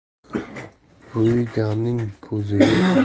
buiganing ko'ziga igna xari